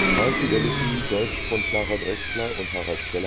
High Fidelity, dt. von Clara Drechsler und Harald